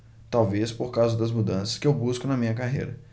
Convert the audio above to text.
talvez por causa das mudanças que eu busco na minha carreira